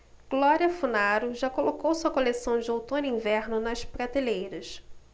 glória funaro já colocou sua coleção de outono-inverno nas prateleiras